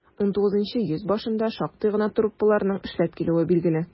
XIX йөз башында шактый гына труппаларның эшләп килүе билгеле.